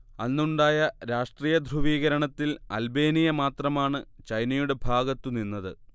അന്നുണ്ടായ രാഷ്ട്രീയ ധ്രുവീകരണത്തിൽ അൽബേനിയ മാത്രമാണ് ചൈനയുടെ ഭാഗത്തു നിന്നത്